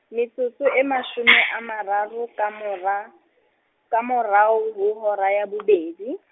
metsotso e mashome a mararo ka mora, ka morao ho hora ya bobedi.